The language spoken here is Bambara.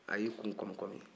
a y'i kun kɔmi-kɔmi